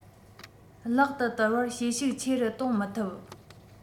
ལག ཏུ བསྟར བར བྱེད ཤུགས ཆེ རུ གཏོང མི ཐུབ